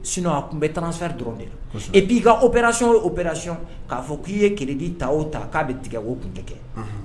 S a tun bɛ tan sari dɔrɔn de la e b'i ka o bɛ o bɛyɔn k'a fɔ k'i ye kebi ta o ta k'a bɛ tigɛ o tun tɛ kɛ